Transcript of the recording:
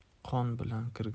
qon bilan kirgan